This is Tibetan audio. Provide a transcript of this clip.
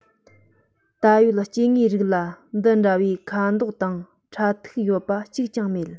ད ཡོད སྐྱེ དངོས རིགས ལ འདི འདྲ བའི ཁ དོག དང ཁྲ ཐིག ཡོད པ གཅིག ཀྱང མེད